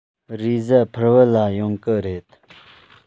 རེས གཟའ ཕུར བུ ལ ཡོང གི རེད